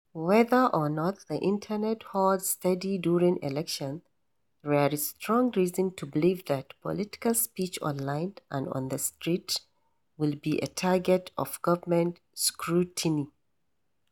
Whether or not the internet holds steady during elections, there is strong reason to believe that political speech online and on the street will be a target of government scrutiny.